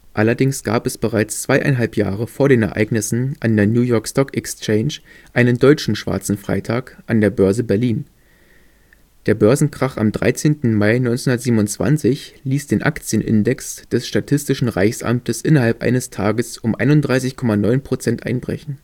Allerdings gab es bereits zweieinhalb Jahre vor den Ereignissen an der New York Stock Exchange einen deutschen schwarzen Freitag an der Börse Berlin. Der Börsenkrach am 13. Mai 1927 ließ den Aktienindex des Statistischen Reichsamtes innerhalb eines Tages um 31,9 Prozent einbrechen